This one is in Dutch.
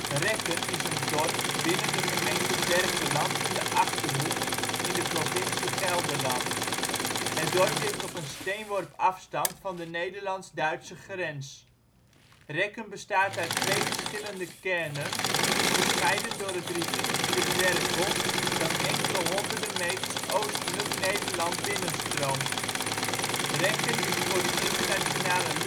Rekken is een dorp binnen de gemeente Berkelland in de Achterhoek, provincie Gelderland. Het dorp ligt op een steenworp afstand van de Nederlands-Duitse grens. Rekken bestaat uit twee verschillende kernen, gescheiden door het riviertje de Berkel, dat enkele honderden meters oostelijk Nederland binnenstroomt. Rekken is voor de internationale